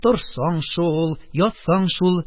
Торсаң - шул, ятсаң - шул,